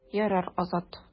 Ярар, Азат.